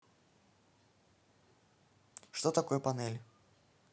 что такое панель